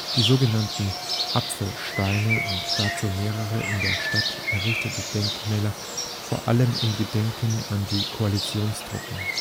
die so genannten Apelsteine und dazu mehrere in der Stadt errichtete Denkmäler vor allem im Gedenken an die Koalitionstruppen